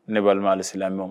Ne balima alisilamɛw